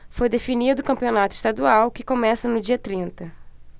foi definido o campeonato estadual que começa no dia trinta